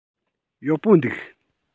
ཡག པོ འདུག